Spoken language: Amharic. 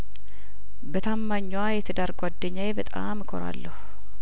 በታማኟ የትዳር ጓደኛዬ በጣም እኮራለሁ